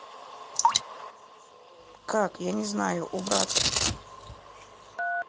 как я не знаю убрать